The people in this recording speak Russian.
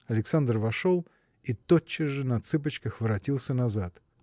Александр вошел и тотчас же, на цыпочках, воротился назад.